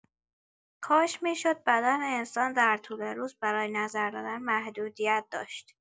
کاش می‌شد بدن انسان در طول روز برای نظر دادن محدودیت داشت.